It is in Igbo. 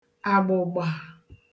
àgbụ̀gbà